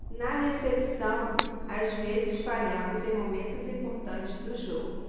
na recepção às vezes falhamos em momentos importantes do jogo